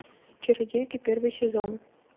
чародейки первый сезон